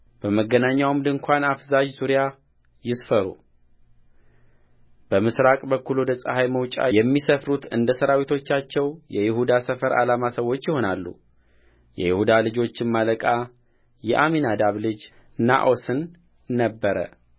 በመገናኛው ድንኳን አፋዛዥ ዙሪያ ይስፈሩበምሥራቅ በኩል ወደ ፀሐይ መውጫ የሚሰፍሩት እንደ ሠራዊቶቻቸው የይሁዳ ሰፈር ዓላማ ሰዎች ይሆናሉ የይሁዳ ልጆችም አለቃ የአሚናዳብ ልጅ ነአሶን ነበረ